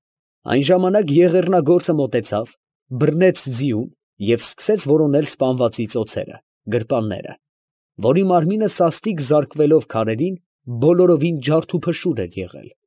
Այն ժամանակ եղեռնագործը մոտեցավ, բռնեց ձիուն և սկսեց որոնել սպանվածի ծոցերը, գրպանները, որի մարմինը սաստիկ զարկվելով քարերին, բոլորովին ջարդուփշուր էր եղել։